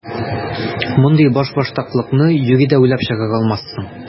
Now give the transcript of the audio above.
Мондый башбаштаклыкны юри дә уйлап чыгара алмассың!